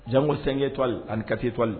Jango sane to anikae toli